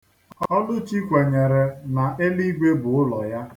Ọlụchi kwenyere na eligwe bụ ụlọ ya.